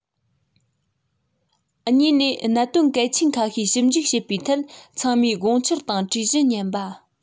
གཉིས ནས གནད དོན གལ ཆེན ཁ ཤས ཞིབ འཇུག བྱེད པའི ཐད ཚང མའི དགོངས འཆར དང གྲོས གཞི ཉན པ